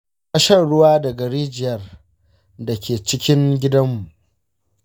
muna shan ruwa daga rijiyar da ke cikin gidanmu.